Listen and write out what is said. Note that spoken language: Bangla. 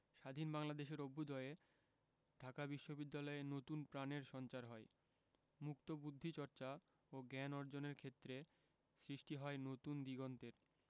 স্বাধীন বাংলাদেশের অভ্যুদয়ে ঢাকা বিশ্ববিদ্যালয়ে নতুন প্রাণের সঞ্চার হয় মুক্তবুদ্ধি চর্চা ও জ্ঞান অর্জনের ক্ষেত্রে সৃষ্টি হয় নতুন দিগন্তের